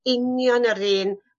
union yr un